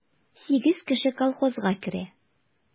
Сигез кеше колхозга керә.